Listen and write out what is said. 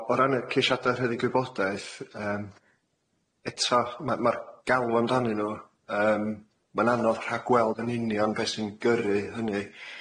Yy o o ran y ceisiada rhannu gwybodaeth yym eto ma' ma'r galw amdanyn nw yym ma'n anodd rhagweld yn union be' sy'n gyrru hynny.